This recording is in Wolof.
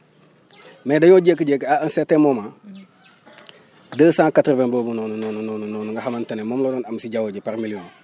mais dañoo jékki-jékki à un certain moment deux cent quatre vingt boobu noonu noonu noonu noonu nga xamante ne moom la waroon am si jaww ji par million